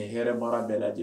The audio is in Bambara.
Ni hɛrɛ mara bɛɛ lajɛ